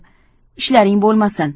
ishlaring bo'lmasin